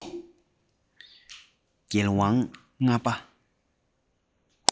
རྒྱལ དབང ལྔ པ